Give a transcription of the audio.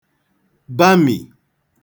bamì